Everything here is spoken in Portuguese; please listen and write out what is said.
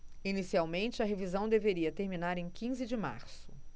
inicialmente a revisão deveria terminar em quinze de março